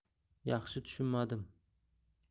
yaxshi tushunmadim